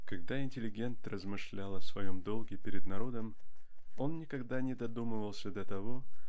Когда интеллигент размышлял о своем долге перед народом он никогда не додумывался до того